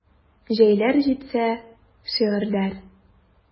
Җәйләр җитсә: шигырьләр.